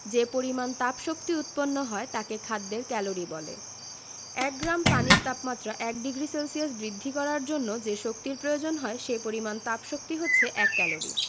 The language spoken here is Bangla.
যে পরিমাণ তাপশক্তি উৎপন্ন হয় তাকে খাদ্যের ক্যালরি বলে এক গ্রাম পানির তাপমাত্রা ১ ডিগ্রি সেলসিয়াস বৃদ্ধি করার জন্য যে শক্তির প্রয়োজন হয় সে পরিমাণ তাপশক্তি হচ্ছে এক ক্যালরি